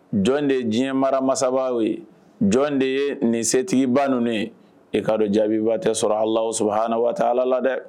Jɔn de ye diɲɛ maramasasabaa ye jɔn de ye nin setigibaun ye e kaa don jaabiba tɛ sɔrɔ o haana waati ala la dɛ